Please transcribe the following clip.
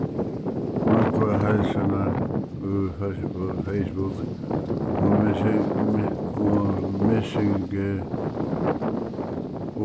nógvar heilsanar á facebook og messenger